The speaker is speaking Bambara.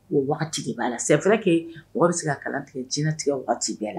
O waati de b'a la c'est vrai que mɔgɔ bɛ se ka kalan tigɛ diɲɛ latigɛ waati bɛɛ la.